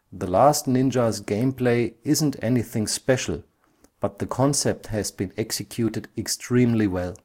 The Last Ninja 's gameplay isn't anything special, but the concept has been executed extremely well